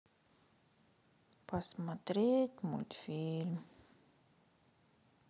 посмотреть мультфильм